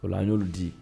O y'olu di